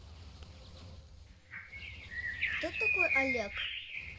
кто такой олег